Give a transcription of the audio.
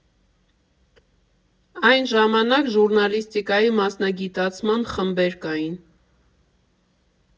Այն ժամանակ ժուռնալիստիկայի մասնագիտացման խմբեր կային։